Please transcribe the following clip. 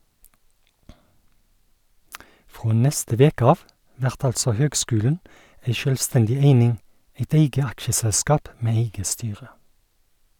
Frå neste veke av vert altså høgskulen ei sjølvstendig eining, eit eige aksjeselskap med eige styre.